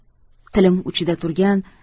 tilim uchida turgan